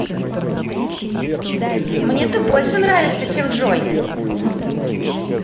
мне ты больше нравишься чем джой